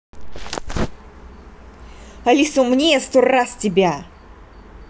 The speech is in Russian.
алиса умнее сто раз тебя